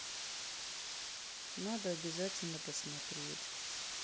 надо обязательно посмотреть